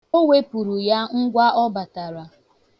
O wepuru ya ngwa ọ batara.